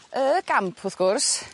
Y gamp wrth gwrs